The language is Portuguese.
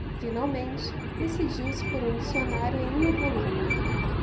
finalmente decidiu-se por um dicionário em um volume